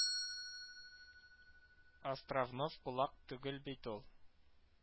Островнов кулак түгел бит ул